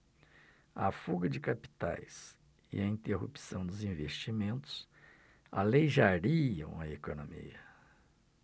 a fuga de capitais e a interrupção dos investimentos aleijariam a economia